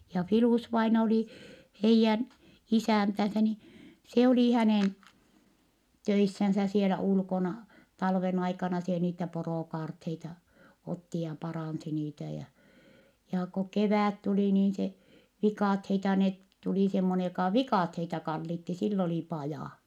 ja Filus-vainaja oli heidän isäntänsä niin se oli hänen töissään siellä ulkona talven aikana se niitä porokaarteita otti ja paransi niitä ja ja kun kevät tuli niin se viikatteita ne tuli semmoinen joka viikatteita kallitsi sillä oli paja